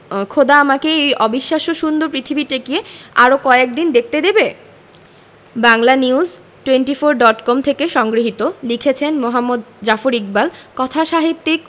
খোদা আমাকে এই অবিশ্বাস্য সুন্দর পৃথিবীটিকে আরো কয়দিন দেখতে দেবে বাংলানিউজ টোয়েন্টিফোর ডট কম থেকে সংগৃহীত লিখেছেন মুহাম্মদ জাফর ইকবাল কথাসাহিত্যিক